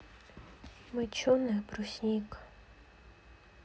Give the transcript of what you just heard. моченая брусника